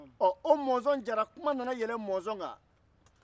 ɔ o mɔnzɔn jara kuma nana yɛlɛn mɔnzɔn kan